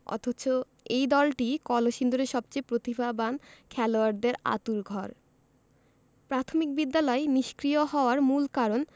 অথচ এই দলটিই কলসিন্দুরের সবচেয়ে প্রতিভাবান খেলোয়াড়দের আঁতুড়ঘর প্রাথমিক বিদ্যালয় নিষ্ক্রিয় হওয়ার মূল কারণ